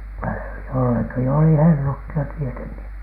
- jollakin oli hellut jo tietenkin